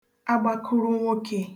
agbakụrụnwokē